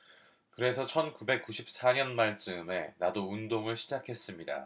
그래서 천 구백 구십 사 년 말 즈음에 나도 운동을 시작했습니다